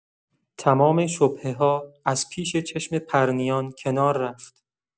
تمام شبهه‌ها از پیش چشم پرنیان کنار رفت.